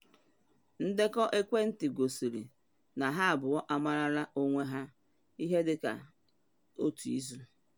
Ndekọ ekwentị gosiri na ha abụọ marala onwe ha ihe dị ka otu izu.